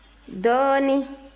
dɔɔnin